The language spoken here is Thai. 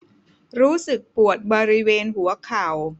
รู้สึกปวดบริเวณหัวเข่า